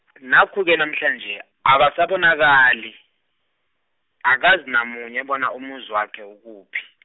nakhu ke namhlanje, abasabonakali, akazi namunye bona umuzi wakhe ukuphi.